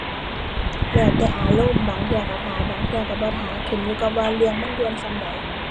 แล้วแต่อารมณ์ บางเทื่อก็ท่า บางเทื่อก็บ่ท่า ขึ้นอยู่กับว่าเรื่องมันด่วนส่ำใด